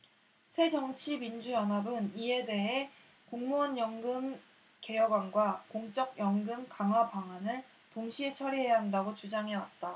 새정치민주연합은 이에 대해 공무원연금 개혁안과 공적연금 강화방안을 동시에 처리해야 한다고 주장해왔다